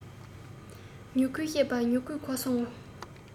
སྨྱུ གུའི བཤད པ སྨྱུ གུས གོ སོང ངོ